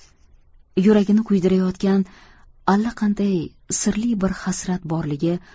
yuragini kuydirayotgan allaqanday sirli bir hasrat borligi